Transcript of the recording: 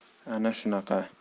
ana shunaqa